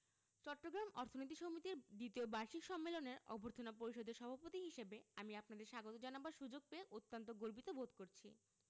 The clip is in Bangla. চট্টগ্রাম অর্থনীতি সমিতির দ্বিতীয় বার্ষিক সম্মেলনের অভ্যর্থনা পরিষদের সভাপতি হিসেবে আমি আপনাদের স্বাগত জানাবার সুযোগ পেয়ে অত্যন্ত গর্বিত বোধ করছি